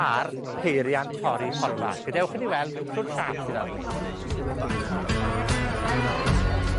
a'r peiriant torri porfa, gadewch i ni weld shwt siâp sydd arni.